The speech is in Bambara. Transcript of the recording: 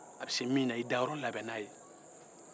a bɛ se min na o ye k'i dayɔrɔ labɛn n'a ye